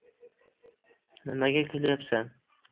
nimaga kulyapsan